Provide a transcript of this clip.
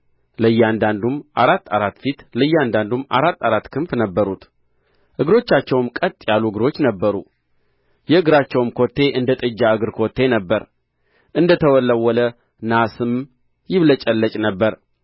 ለእያዳንዱም አራት አራት ፊት ለእያንዳንዱም አራት አራት ክንፍ ነበሩት እግሮቻቸውም ቀጥ ያሉ እግሮች ነበሩ የእግራቸውም ኮቴ እንደ ጥጃ እግር ኮቴ ነበረ እንደ ተወለወለ ናስም ይብለጨለጭ ነበር